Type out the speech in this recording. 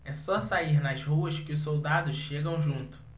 é só sair nas ruas que os soldados chegam junto